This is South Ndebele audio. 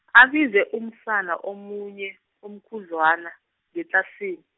abize umsana omunye, omkhudlwana, ngetlasini.